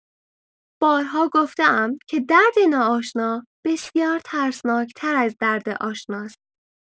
بارها گفته‌ام که درد ناآشنا بسیار ترسناک‌تر از درد آشناست.